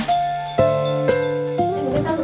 không